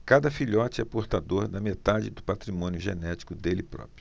cada filhote é portador da metade do patrimônio genético dele próprio